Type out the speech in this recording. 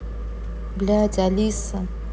блядь алиса